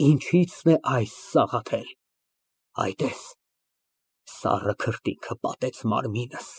Ինչի՞ցն է այս, Սաղաթել։ Այ, տես, սառը քրտինքը պատեց մարմինս։